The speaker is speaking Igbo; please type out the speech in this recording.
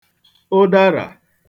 ụdarà